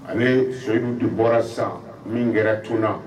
Ani soyi de bɔra san min kɛra tun na